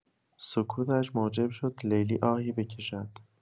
سکوتش موجب شد لیلی آهی بکشد.